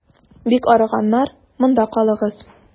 Бик арыганнар, монда калыгыз.